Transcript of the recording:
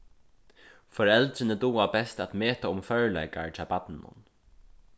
foreldrini duga best at meta um førleikar hjá barninum